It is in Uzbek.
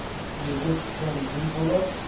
yerga tushgan gul